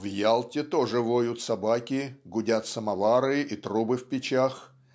"В Ялте тоже воют собаки, гудят самовары и трубы в печах.